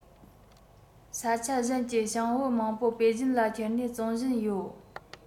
ས ཆ གཞན ཀྱི བྱང བུ མང པོ པེ ཅིན ལ ཁྱེར ནས བཙོང བཞིན ཡོད